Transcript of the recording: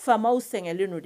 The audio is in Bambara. Faamaw sɛgɛnlen don de